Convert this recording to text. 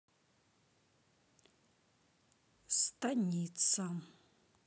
станица